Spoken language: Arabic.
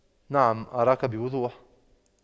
نعم أراك بوضوح